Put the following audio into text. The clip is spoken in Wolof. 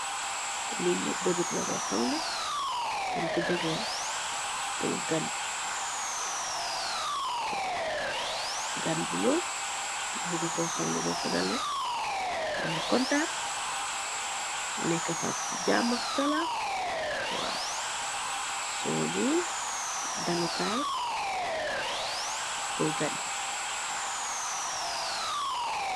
Li behrep la bi hamneh denj ko jakleh purr gann, gann bu nyewwi purr daal nyewgeih kontan nehka fa ce jama so li dali kai purr gann.